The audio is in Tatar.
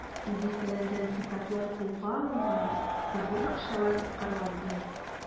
Дистәләгән хисаплар кулга алынган, зур акчалар тоткарланган.